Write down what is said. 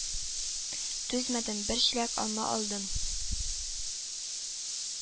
Түзмәдем, бер чиләк алма алдым